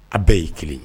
A bɛɛ y'i kelen